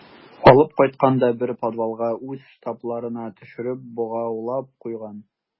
Алып кайткан да бер подвалга үз штабларына төшереп богаулап куйган.